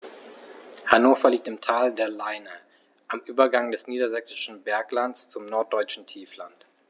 Hannover liegt im Tal der Leine am Übergang des Niedersächsischen Berglands zum Norddeutschen Tiefland.